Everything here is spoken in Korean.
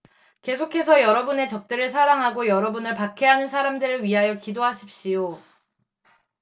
계속해서 여러분의 적들을 사랑하고 여러분을 박해하는 사람들을 위하여 기도하십시오